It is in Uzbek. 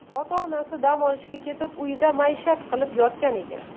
ota onasi dam olishga ketib uyida maishat qilib yotgan ekan